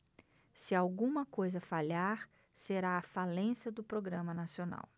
se alguma coisa falhar será a falência do programa nacional